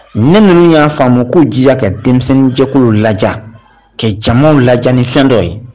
Ne ninnu y'a faamu ko diya ka denmisɛnninjɛkuluw la ka jamaw lajɛ ni fɛn dɔ ye